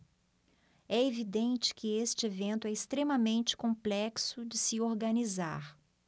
é evidente que este evento é extremamente complexo de se organizar